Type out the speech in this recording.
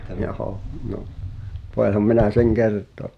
joo no voihan minä sen kertoa